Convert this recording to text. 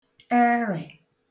erẹ̀